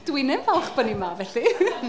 Dwi innau'n falch bod ni yma felly .